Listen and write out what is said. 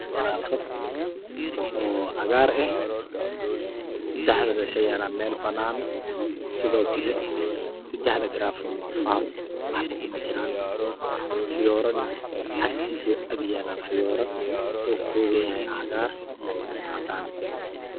Garafad oo cagar eh sadexdana waxa ay yaalan meel banan ah sidookale sadexda garafe waa faruq waxbo kuma jiraan fiyoorana agtiisu yaalaa fiyooro uu ka koobanyahay cagar iyo cadaan